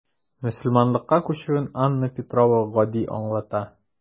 Мөселманлыкка күчүен Анна Петрова гади аңлата.